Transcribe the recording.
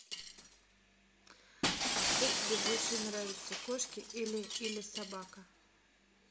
а кто тебе больше нравятся кошки или или собака